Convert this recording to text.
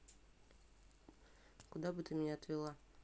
куда бы ты меня отвела